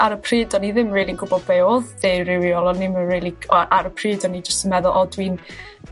Ar y pryd do'n i ddim rili gwbod be' odd deurywiol odd ni'm yn rili gybo ar y pryd hynny jyst yn meddwl o dwi'n